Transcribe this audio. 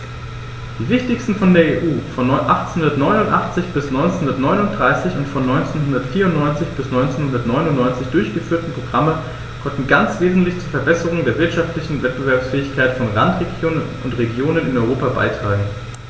Die wichtigsten von der EU von 1989 bis 1993 und von 1994 bis 1999 durchgeführten Programme konnten ganz wesentlich zur Verbesserung der wirtschaftlichen Wettbewerbsfähigkeit von Randregionen und Regionen in Europa beitragen.